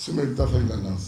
So bɛ tafe kanana